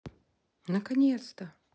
наконец то